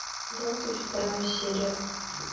двадцать вторая серия